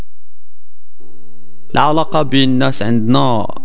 العلاقه بين ناس عندنا